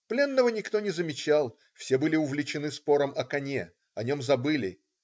Пленного никто не замечал, все были увлечены спором о коне, о нем забыли.